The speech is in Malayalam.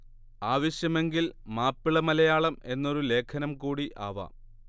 ആവശ്യമെങ്കിൽ മാപ്പിള മലയാളം എന്നൊരു ലേഖനം കൂടി ആവാം